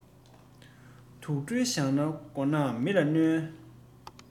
དུག སྦྲུལ བཞག ན མགོ ནག མི ལ གནོད